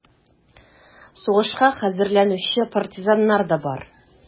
Сугышка хәзерләнүче партизаннар да бар: